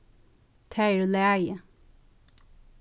tað er í lagi